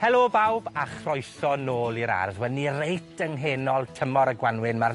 Helo, bawb, a chroeso nôl i'r ardd. Wel ni reit yng nghenol tymor a Gwanwyn ma'r